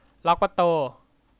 ล็อคประตู